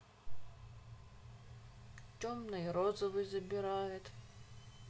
темный розовый забирает